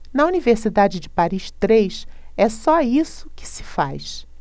na universidade de paris três é só isso que se faz